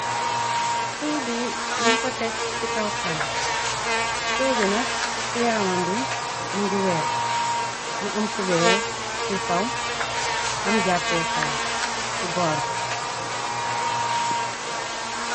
Siwo bi ñuñ ko tekk ci kaw-karo, siwo bi nak ci yaramambi mu ngi weer, mu am kubeer ci kaw, am jàppeekaay ci boor bi.